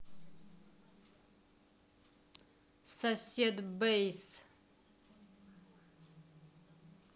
сосед бэйс